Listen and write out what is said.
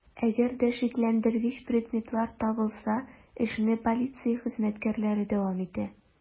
Әгәр дә шикләндергеч предметлар табылса, эшне полиция хезмәткәрләре дәвам итә.